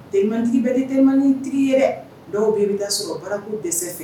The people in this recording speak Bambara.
Dentigi bɛ denin tigi yɛrɛ dɔw bɛɛ bɛ taa sɔrɔ barako dɛsɛ fɛ